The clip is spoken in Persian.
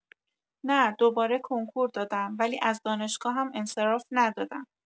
نه دوباره کنکور دادم ولی از دانشگاهم انصراف ندادم.